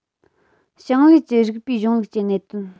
ཞིང ལས ཀྱི རིགས པའི གཞུང ལུགས ཀྱི གནད དོན